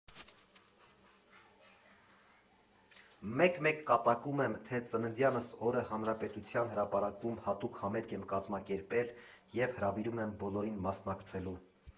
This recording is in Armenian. Մեկ֊մեկ կատակում եմ, թե ծննդյանս օրը Հանրապետության հրապարակում հատուկ համերգ եմ կազմակերպել և հրավիրում եմ բոլորին մասնակցելու։